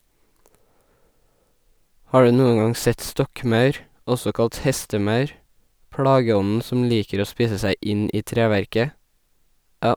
Har du noen gang sett stokkmaur , også kalt hestemaur , plageånden som liker å spise seg inn i treverket?